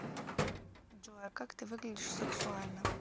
джой а как ты выглядишь сексуально